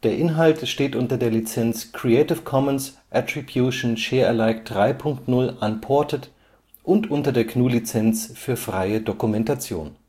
Inhalt steht unter der Lizenz Creative Commons Attribution Share Alike 3 Punkt 0 Unported und unter der GNU Lizenz für freie Dokumentation